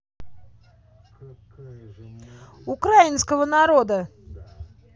украинская народная